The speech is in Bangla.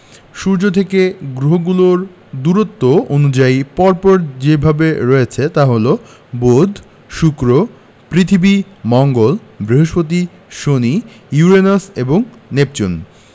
সূর্য থেকে গ্রহগুলো দূরত্ব অনুযায়ী পর পর যেভাবে রয়েছে তা হলো বুধ শুক্র পৃথিবী মঙ্গল বৃহস্পতি শনি ইউরেনাস এবং নেপচুন